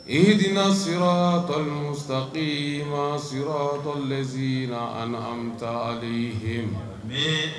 Yiridina sira tɔw saba ma sira tɔw si na ani an bɛ taa ali h